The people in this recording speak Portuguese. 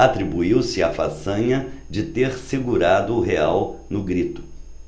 atribuiu-se a façanha de ter segurado o real no grito